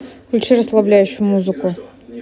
включи расслабляющую музыку